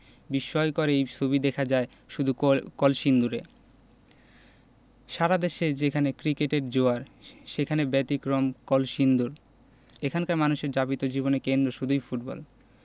বিস্ময়কর এই ছবি দেখা যায় শুধু কলসিন্দুরে সারা দেশে যেখানে ক্রিকেটের জোয়ার সেখানে ব্যতিক্রম কলসিন্দুর এখানকার মানুষের যাপিত জীবনের কেন্দ্রে শুধুই ফুটবল